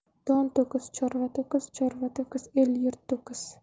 don to'kis chorva to'kis chorva to'kis el yurt to'kis